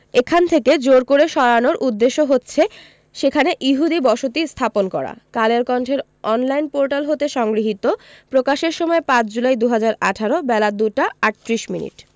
এখান থেকে জোর করে সরানোর উদ্দেশ্য হচ্ছে সেখানে ইহুদি বসতি স্থাপন করা কালের কন্ঠের অনলাইন পোর্টাল হতে সংগৃহীত প্রকাশের সময় ৫ জুলাই ২০১৮ বেলা ২টা ৩৮ মিনিট